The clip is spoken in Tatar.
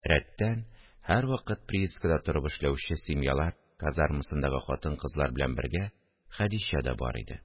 Рәттән һәрвакыт приискада торып эшләүче семьялар казармасындагы хатын-кызлар белән бергә Хәдичә дә бар иде